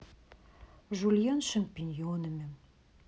жульен с шампиньонами